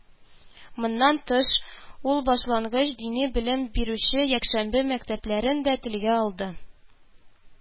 Моннан тыш, ул башлангыч дини белем бирүче якшәмбе мәктәпләрен дә телгә алды